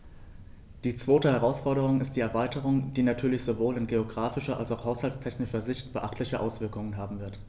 Die zweite Herausforderung ist die Erweiterung, die natürlich sowohl in geographischer als auch haushaltstechnischer Sicht beachtliche Auswirkungen haben wird.